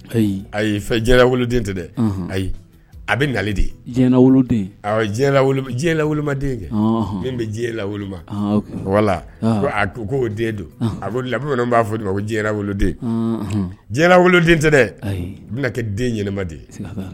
Ayi fɛnden tɛ dɛ ayi a bɛ nali de ye diɲɛ woloden min bɛ diɲɛ la wala a ko ko o den don a b'a fɔ ko diɲɛ woloden diɲɛ woloden tɛ dɛ a bɛna kɛ den ɲmaden ye